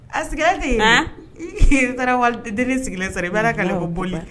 A sigilentigi taara waati deni sigilen sara i bɛ' kooli